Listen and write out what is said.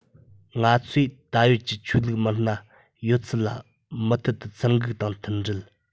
ང ཚོས ད ཡོད ཀྱི ཆོས ལུགས མི སྣ ཡོད ཚད ལ མུ མཐུད དུ ཚུར འགུག དང མཐུན སྒྲིལ